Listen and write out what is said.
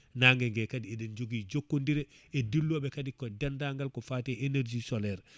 nangue gue kadi eɗen jogui jokkodire e dilloɓe kadi dendangal ko fati e énergie solaire